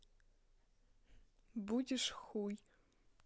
будешь хуй